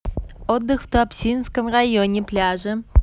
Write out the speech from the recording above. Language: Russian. отдых в туапсинском районе пляжи